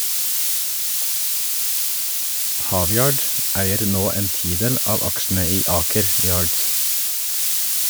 Havyard eier nå en tidel av aksjene i Aker Yards.